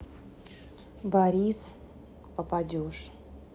борис хрен попадешь